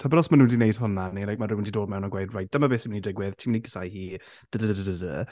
Tybed os maen nhw 'di wneud hwnna neu mae rhywun wedi dod mewn a gweud reit dyma beth sy'n mynd i digwydd. Ti'n mynd i gasau hi dy dy dy dy dy.